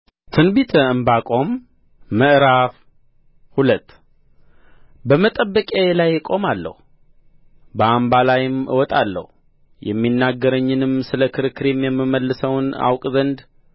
ትንቢተ ዕንባቆም ምዕራፍ ሁለት በመጠበቂያዬ ላይ እቆማለሁ በአምባ ላይም እወጣለሁ የሚናገረኝንም ስለ ክርክሬም የምመልሰውን አውቅ ዘንድ